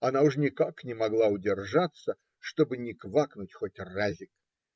Она уж никак не могла удержаться, чтобы не квакнуть хоть разик.